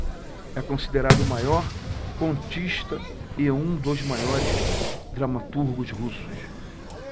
é considerado o maior contista e um dos maiores dramaturgos russos